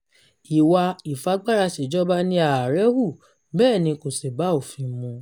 Ìwà ìfagbáraṣèjọba ni ààrẹ hù, bẹ́ẹ̀ ni kò sì bá òfin mú.